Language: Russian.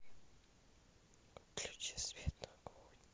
включи свет на кухне